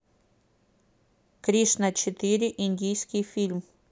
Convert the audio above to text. кришна четыре индийский фильм